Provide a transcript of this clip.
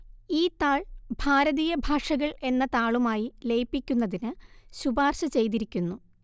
ഈ താൾ ഭാരതീയ ഭാഷകൾ എന്ന താളുമായി ലയിപ്പിക്കുന്നതിന് ശുപാർശ ചെയ്തിരിക്കുന്നു